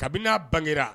Kabin'a bangera